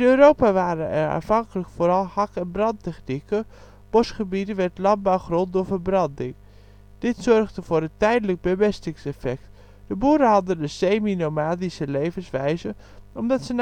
Europa waren er aanvankelijk vooral hak - en brandtechnieken. Bosgebied werd landbouwgrond door verbranding. Dit zorgde voor een tijdelijk bemestingseffect. De boeren hadden een semi-nomadische levenswijze omdat